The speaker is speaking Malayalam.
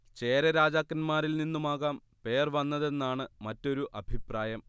ചേര രാജാക്കന്മാരിൽ നിന്നുമാകാം പേർ വന്നതെന്നാണ് മറ്റൊരു അഭിപ്രായം